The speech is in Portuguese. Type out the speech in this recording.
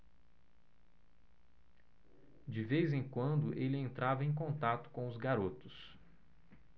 de vez em quando ele entrava em contato com os garotos